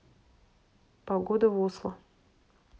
погода в осло